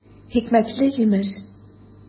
Хикмәтле җимеш!